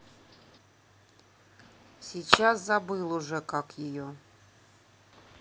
сейчас забыл уже как ее